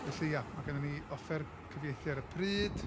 Felly, ia, ma' gennyn ni offer cyfieithu ar y pryd,